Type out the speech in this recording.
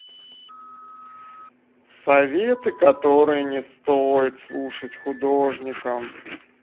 советы которые не стоит слушать художникам